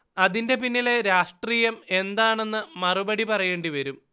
അതിന്റെ പിന്നിലെ രാഷ്ട്രീയം എന്താണെന്ന് മറുപടി പറയേണ്ടി വരും